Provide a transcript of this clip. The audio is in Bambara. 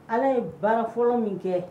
Ala ye baara fɔlɔ min kɛ